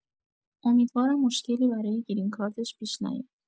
امیدوارم مشکلی برای گرین کارتش پیش نیاد